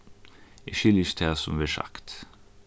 eg skilji ikki tað sum verður sagt